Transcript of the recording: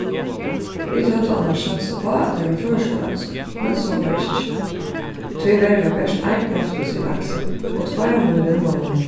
vit høvdu annars satsað upp á at har var føroyskur laksur men so var ikki tíverri var bert ein breyðflís við laksi og tveir av mínum vinmonnum